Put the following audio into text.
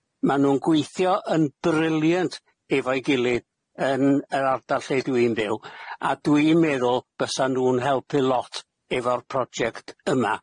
Ma' nw'n gweithio yn brilliant efo'i gilydd yn yr ardal lle dwi'n byw. A dwi'n meddwl bysan nw'n helpu lot efo'r project yma.